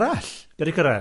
Dio di cyrraedd?